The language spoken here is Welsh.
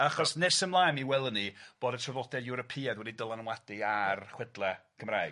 Achos nes ymlaen, mi welwn ni bod y traddode Ewropeaidd wedi dylanwadu ar chwedla Cymraeg.